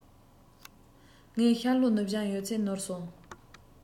ངས ཤར ལྷོ ནུབ བྱང ཡོད ཚད ནོར སོང